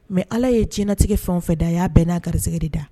Mɛ ala ye cinatigɛ fɛn fɛ da y'a bɛn n'a garisɛe de da